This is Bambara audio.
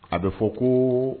A bɛ fɔ ko